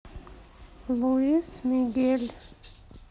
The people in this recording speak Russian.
луис мигель